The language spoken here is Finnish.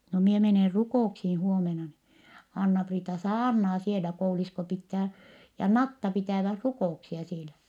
no minä menen rukouksiin huomenna niin Anna-Priita saarnaa siellä Koulu-lisko pitää ja Natta pitävät rukouksia siellä